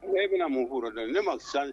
Ne bɛ na mun ko ra, ne ma sa